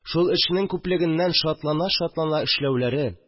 Шул эшнең күплегеннән шатлана-шатлана эшләүләре